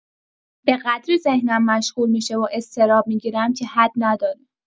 به قدری ذهنم مشغول می‌شه و اضطراب می‌گیرم که حد نداره.